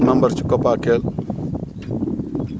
membre ci COAPCEL